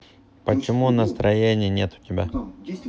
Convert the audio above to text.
почему настроение нет у тебя